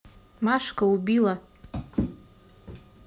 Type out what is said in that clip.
машка убила